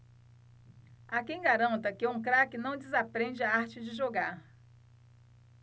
há quem garanta que um craque não desaprende a arte de jogar